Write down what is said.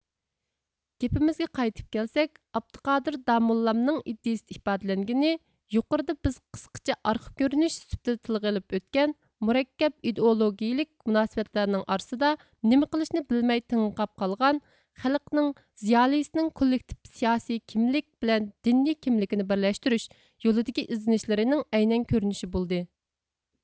گېپىمىزگە قايتىپ كەلسەك ئابدۇقادىر داموللامنىڭ ئىدىيىسىدە ئىپادىلەنگىنى يۇقىرىدا بىز قىسقىچە ئارقا كۆرۈنۈش سۈپىتىدە تىلغا ئېلىپ ئۆتكەن مۇرەككەپ ئىدېئولوگىيىلىك مۇناسىۋەتلەرنىڭ ئارىسىدا نېمە قىلىشىنى بىلمەي تېڭىرقاپ قالغان خەلقنىڭ زىيالىيسىنىڭ كوللېكتىپ سىياسىي كىملىك بىلەن دىنىي كىملىكنى بىرلەشتۈرۈش يولىدىكى ئىزدىنىشلىرىنىڭ ئەينەن كۆرۈنۈشى بولدى